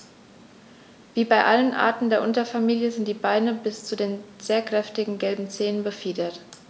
Wie bei allen Arten der Unterfamilie sind die Beine bis zu den sehr kräftigen gelben Zehen befiedert.